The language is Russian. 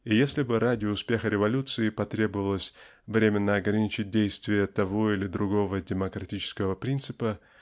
И если бы ради успеха революции потребовалось временно ограничить действие того или другого демократического принципа